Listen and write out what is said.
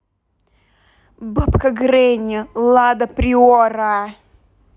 бабка гренни лада приора